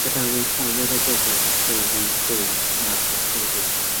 Gadawyd llawer o bobol heb swyddi bwyd na chartrefi.